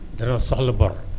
danoo soxla bor